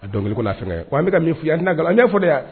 A don la fɛn' an bɛka ka min fɔ ye yan n' n ne fɔ de yan